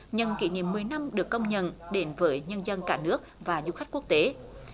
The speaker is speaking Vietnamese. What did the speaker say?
nhân kỷ niệm mười năm được công nhận đến với nhân dân cả nước và du khách quốc tế